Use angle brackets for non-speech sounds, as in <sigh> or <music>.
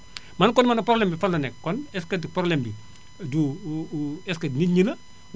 <smacks lips> mane kon man nag problème bi fan la nekk kon est ce que du problème bi du <hesitation> est ce que nit ñi la